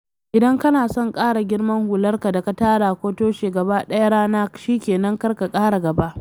Idan kana son kara girman hularka da ka tara ko toshe gaba ɗaya rana shi ke nan kar ka ƙara gaba.